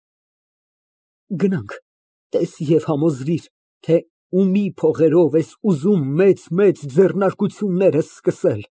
ՄԱՐԳԱՐԻՏ ֊ Գնանք։ Տես և համոզվիր, թե ումի փողերով ես ուզում մեծ֊մեծ ձեռնարկությունները սկսել։